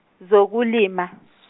zokulima.